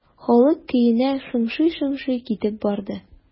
Халык көенә шыңшый-шыңшый китеп барды.